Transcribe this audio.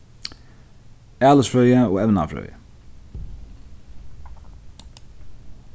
alisfrøði og evnafrøði